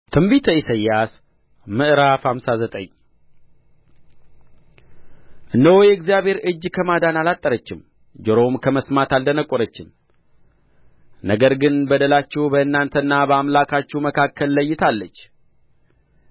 ትንቢተ ኢሳይያስ ምዕራፍ ሃምሳ ዘጠኝ እነሆ የእግዚአብሔር እጅ ከማዳን አላጠረችም ጆሮውም ከመስማት አልደነቈረችም ነገር ግን በደላችሁ በእናንተና በአምላካችሁ መካከል ለይታለች